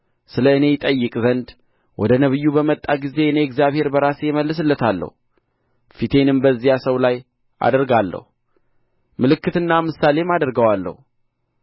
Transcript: ስለ እኔ ይጠይቅ ዘንድ ወደ ነቢዩ በመጣ ጊዜ እኔ እግዚአብሔር በራሴ እመልስለታለሁ ፊቴንም በዚያ ሰው ላይ አደርጋለሁ ምልክትና ምሳሌም አደርገዋለሁ